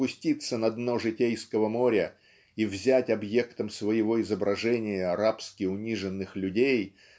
спуститься на дно житейского моря и взять объектом своего изображения рабски-униженных людей